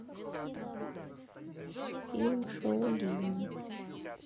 фильм шаулини